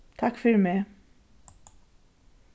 takk fyri meg